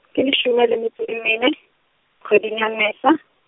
ke leshome le metso e mene, kgweding ya Mmesa.